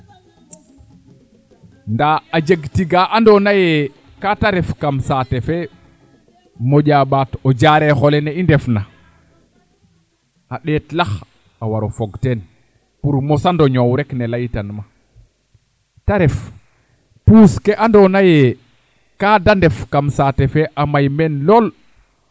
nda a jeg tiga ando naye kaate ref kam saate fee moƴa mbaat o Diarekh olene i ndefna a ndeet lax a waro fog teen pour mosano ñoow rek ne leytan ma te ref puus ke ando naye kaa de ndef kam saate fe a may meen lool